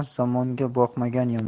zamonga boqmagan yomon